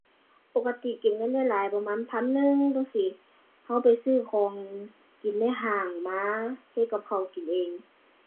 ปกติเก็บเงินได้หลายประมาณพันหนึ่งจั่งซี้ เราไปซื้อของกินในห้างมา เฮ็ดกับข้าวกินเอง